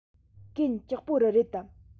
གན ལྕོགས པོ རི རེད དམ